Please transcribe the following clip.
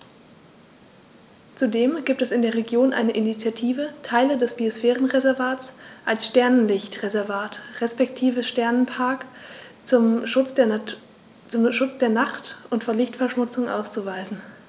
Zudem gibt es in der Region eine Initiative, Teile des Biosphärenreservats als Sternenlicht-Reservat respektive Sternenpark zum Schutz der Nacht und vor Lichtverschmutzung auszuweisen.